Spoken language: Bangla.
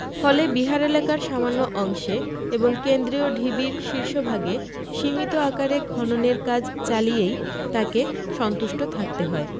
ফলে বিহার এলাকার সামান্য অংশে এবং কেন্দ্রীয় ঢিবির শীর্ষভাগে সীমিত আকারে খননের কাজ চালিয়েই তাঁকে সন্তুষ্ট থাকতে হয়